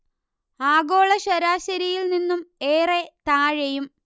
ആഗോള ശരാശരിയിൽ നിന്നും ഏറെ താഴെയും